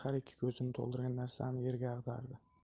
har ikki ko'zini to'ldirgan narsani yerga ag'dardi